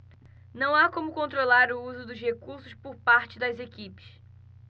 não há como controlar o uso dos recursos por parte das equipes